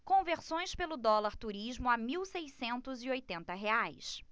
conversões pelo dólar turismo a mil seiscentos e oitenta reais